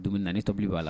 Dugu na ni tobili b'a la